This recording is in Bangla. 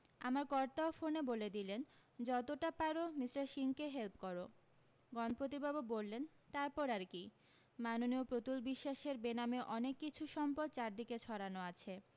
আমার কর্তাও ফোনে বলে দিলেন যতটা পারো মিষ্টার সিংকে হেল্প করো গণপতিবাবু বললেন তারপর আর কী মাননীয় প্রতুল বিশ্বাসের বেনামে অনেক কিছু সম্পদ চারদিকে ছড়ানো আছে